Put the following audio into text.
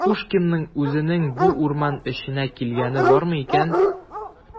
Пушкинның үзенең бу урман эченә килгәне бармы икән?